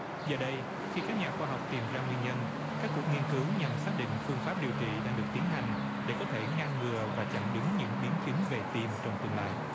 giờ đây khi các nhà khoa học tìm ra nguyên nhân các cuộc nghiên cứu nhằm xác định phương pháp điều trị đang được tiến hành để có thể ngăn ngừa và chặn đứng những biến chứng về tim trong tương lai